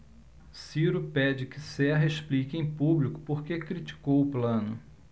ciro pede que serra explique em público por que criticou plano